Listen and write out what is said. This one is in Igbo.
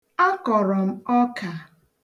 A kọrọ m ọka.